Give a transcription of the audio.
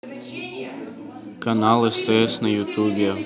канал стс на ютубе